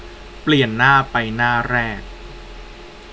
เปลี่ยนหน้าไปหน้าแรก